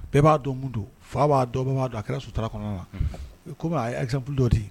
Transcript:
Bɛɛ b'a dɔn mun don fa b'a dɔn bɛɛ b'a dɔn a kɛra suturara kɔnɔna na kɔmi ap dɔ di